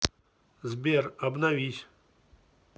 сбер обновись